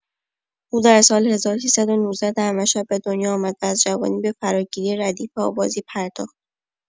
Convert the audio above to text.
او در سال ۱۳۱۹ در مشهد به دنیا آمد و از جوانی به فراگیری ردیف آوازی پرداخت.